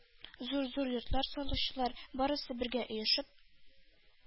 Зур-зур йортлар салучылар, барысы бергә оешып,